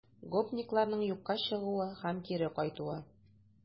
Гопникларның юкка чыгуы һәм кире кайтуы